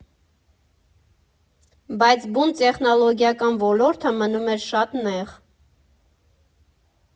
Բայց բուն տեխնոլոգիական ոլորտը մնում էր շատ նեղ։